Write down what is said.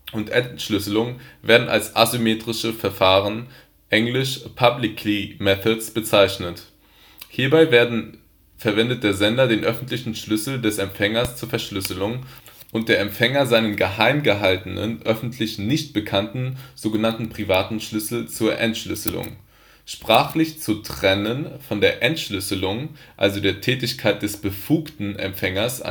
und Entschlüsselung werden als asymmetrische Verfahren (engl.: Public key methods) bezeichnet. Hierbei verwendet der Sender den öffentlichen Schlüssel des Empfängers zur Verschlüsselung und der Empfänger seinen geheim gehaltenen, öffentlich nicht bekannten, sogenannten privaten Schlüssel zur Entschlüsselung. Sprachlich zu trennen von der Entschlüsselung, also der Tätigkeit des befugten Empfängers